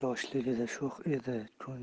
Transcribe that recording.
yoshligida sho'x edi